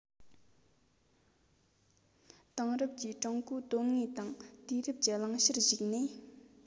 དེང རབས ཀྱི ཀྲུང གོའི དོན དངོས དང དུས རབས ཀྱི བླང བྱར གཞིགས ནས